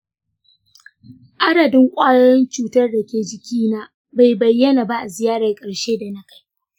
adadin ƙwayoyin cutar da ke jikina bai bayyana ba a ziyarar ƙarshe da na kai.